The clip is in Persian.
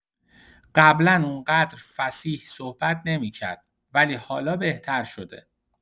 قبلا اونقدر فصیح صحبت نمی‌کرد، ولی حالا بهتر شده.